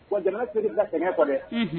Wa jama seli bila sɛgɛn kɔnɔ dɛ